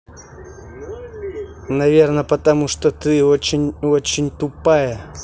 наверное потому что ты очень очень тупая